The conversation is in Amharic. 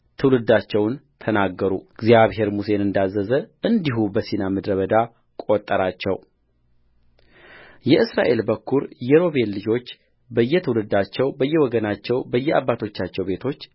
ትውልዳቸውን ተናገሩእግዚአብሔር ሙሴን እንዳዘዘ እንዲሁ በሲና ምድረ በዳ ቈጠራቸውየእስራኤል በኵር የሮቤል ልጆች በየትውልዳቸው በየወገናቸው በየአባቶቻቸው ቤቶች